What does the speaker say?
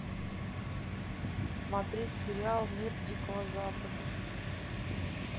смотреть сериал мир дикого запада